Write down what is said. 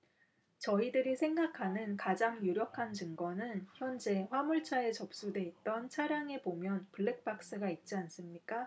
저희들이 생각하는 가장 유력한 증거는 현재 화물차에 접수돼 있던 차량에 보면 블랙박스가 있지 않습니까